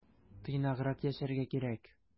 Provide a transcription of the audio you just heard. Тыйнаграк яшәргә кирәк.